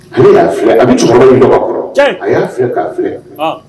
A y'a filɛ a cɛkɔrɔba in kɔrɔ a y'a filɛ k'a filɛ